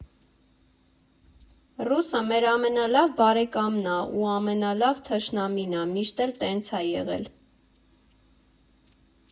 Ռուսը մեր ամենալավ բարեկամն ա ու ամենալավ թշնամին ա, միշտ էլ տենց ա եղել։